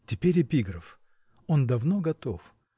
— Теперь эпиграф: он давно готов!